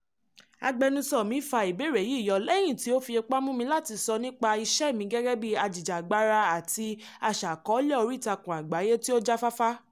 Agbẹnusọ mi fa ìbéèrè yìí yọ lẹ́yìn tí ó fi ipá mú mi láti sọ nípa iṣẹ́ mi gẹ́gẹ́ bíi ajìjàgbara àti aṣàkọọ́lẹ̀ oríìtakùn àgbáyé tí ó jáfáfá.